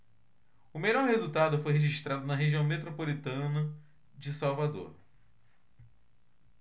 o melhor resultado foi registrado na região metropolitana de salvador